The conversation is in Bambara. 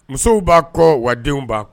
Musow b'a kɔ wadenw ba